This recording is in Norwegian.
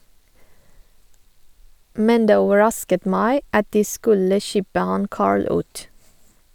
- Men det overrasket meg at de skulle kibbe han Carl ut.